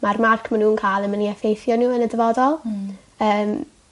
ma'r marc ma' nw'n ca'l yn myn' i effeithio n'w yn y dyfodol. Hmm. Yym.